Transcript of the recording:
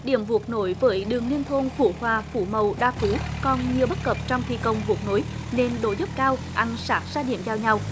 điểm vuốt nối với đường liên thôn phụ khoa phủ mầu đa phú còn nhiều bất cập trong thi công vụ nối nên độ dốc cao ăn sát ra điểm giao nhau